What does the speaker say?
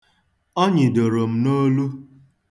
Ọ nyịdoro m n'olu.